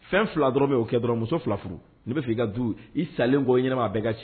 Fɛn fila dɔrɔn bɛ oo kɛ dɔrɔn muso fila furu n bɛ i ka du i salen bɔ ɲɛnama bɛɛ ka tiɲɛ